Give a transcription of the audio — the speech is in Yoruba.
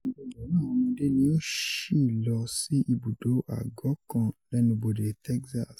Ọgọgọrun awọn ọmọde ni o ṣilọ si ibudo agọ kan lẹnubode Texas